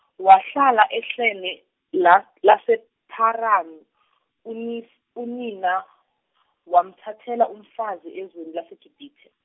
wahlala ehlane la- lasePharanu uni- unina wamthathela umfazi ezweni laseGibithe.